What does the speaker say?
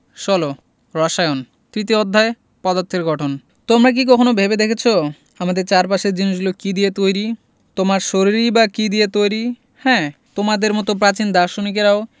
১৬ রসায়ন তৃতীয় অধ্যায় পদার্থের গঠন তোমরা কি কখনো ভেবে দেখেছ আমাদের চারপাশের জিনিসগুলো কী দিয়ে তৈরি তোমার শরীরই বা কী দিয়ে তৈরি হ্যাঁ তোমাদের মতো প্রাচীন দার্শনিকেরাও